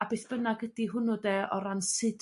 A beth bynnag ydy hwnnw 'de o ran sud